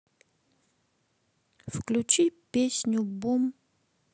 включи песню бум